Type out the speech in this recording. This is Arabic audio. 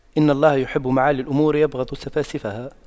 إن الله يحب معالي الأمور ويبغض سفاسفها